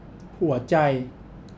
หัวใจ